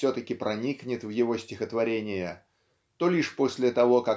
все-таки проникнет в его стихотворения то лишь после того